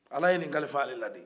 ala ye nin kalifa ale la de